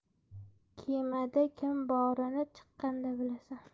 kemada kim borini chiqqanda bilasan